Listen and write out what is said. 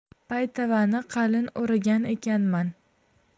paytavani qalin o'ragan ekanman